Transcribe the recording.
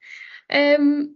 Yym